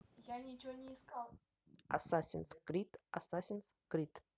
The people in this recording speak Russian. ассасинс крид ассасинс крид